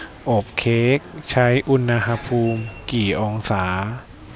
อบเค้กใช้อุณหภูมิกี่องศา